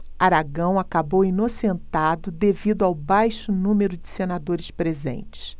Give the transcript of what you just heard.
aragão acabou inocentado devido ao baixo número de senadores presentes